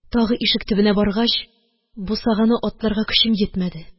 Тагы ишек төбенә баргач, бусаганы атларга көчем йитмәде.